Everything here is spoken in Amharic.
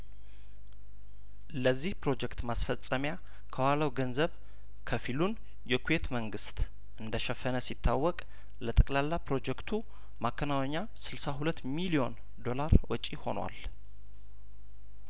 ለዚህ ፕሮጀክት ማስፈጸሚያ ከዋለው ገንዘብ ከፊሉን የኩዌት መንግስት እንደሸፈነ ሲታወቅ ለጠቅላላ ፕሮጀክቱ ማከናወኛ ስልሳ ሁለት ሚሊዮን ዶላር ወጪ ሆኗል